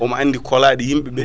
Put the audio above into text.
omo andi kolaaɗe yimɓeɓe